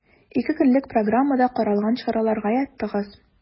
Ике көнлек программада каралган чаралар гаять тыгыз.